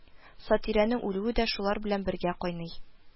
Сатирәнең үлүе дә шулар белән бергә кайный